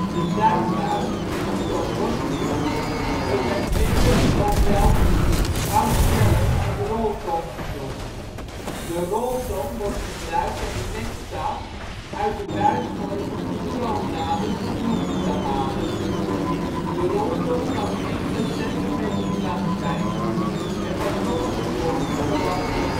De zuigbuis of proboscis wordt bij vlinders ook wel haustellum of roltong genoemd. De roltong wordt gebruikt om nectar uit de buisvormige kroonbladeren van bloemen te halen. De roltong kan enkele centimeters lang zijn en van sommige soorten zoals de